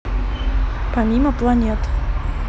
помимо планет